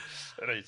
Reit.